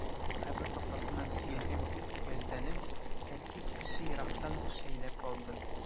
Кабер тактасына сөялгән көянтәне әти кеше ерактан ук шәйләп алды.